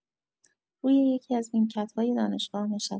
روی یکی‌از نیمکت‌های دانشگاه نشستیم.